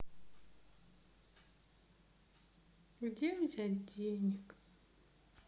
где взять денег